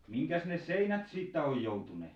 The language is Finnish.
mihinkäs ne seinät siitä on joutuneet